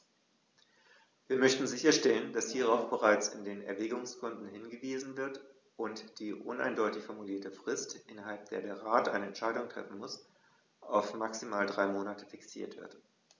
Wir möchten sicherstellen, dass hierauf bereits in den Erwägungsgründen hingewiesen wird und die uneindeutig formulierte Frist, innerhalb der der Rat eine Entscheidung treffen muss, auf maximal drei Monate fixiert wird.